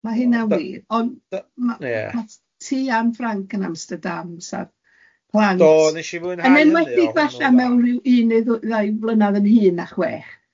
Ma' hynna'n wir... Ond ie. ...ma' ma' t- tŷ An Ffranc yn Amsterdam sa'r plant... Do, wnes i fwynhau hynny yn enwedig falla mewn ryw un neu dd- ddau flynadd yn hŷn na chwech.